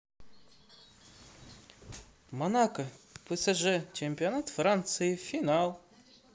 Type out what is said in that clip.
монако псж чемпионат франции финал